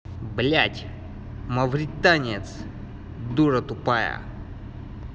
блядь мавританец дура тупая